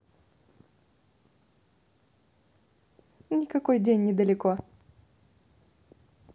никакой день недалеко